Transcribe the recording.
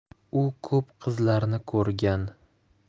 u ko'p qizlarni ko'rgan